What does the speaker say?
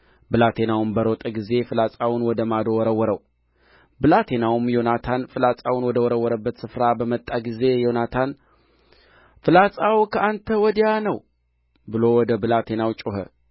ብላቴናውንም ሮጠህ የምወረውራቸውን ፍላጻዎች ፈልግልኝ አለው ብላቴናውም በሮጠ ጊዜ ፍላጻውን ወደ ማዶ ወረወረው ብላቴናውም ዮናታን ፍላጻውን ወደ ወረወረበት ስፍራ በመጣ ጊዜ ዮናታን ፍላጻው ከአንተ ወዲያ ነው ብሎ ወደ ብላቴናው ጮኸ